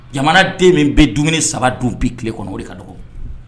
Jamanaden min be dumuni 3 dun bi kile kɔnɔ o de ka dɔgɔ.